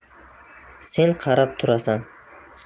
sen qarab turasan